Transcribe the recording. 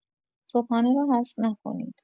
صبحانه را حذف نکنید.